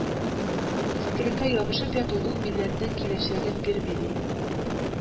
Искелеккә ябышып яту ул милләтнең киләчәген бирми, ди